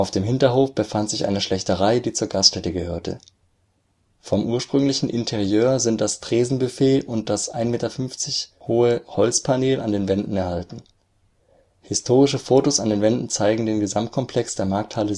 dem Hinterhof befand sich eine Schlächterei, die zur Gaststätte gehörte. Vom ursprünglichen Interieur sind das Tresenbüffet und das 1,50 Meter hohe Holzpaneel an den Wänden erhalten. Historische Fotos an den Wänden zeigen den Gesamtkomplex der Markthalle